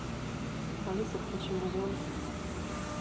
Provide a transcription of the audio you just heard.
алиса включи музон